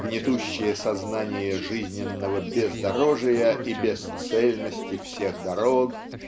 гнетущее сознание жизненного бездорожия и бесцельности всех дорог.